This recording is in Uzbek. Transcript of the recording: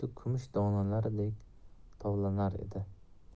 xuddi kumush donalaridek tovlanar edi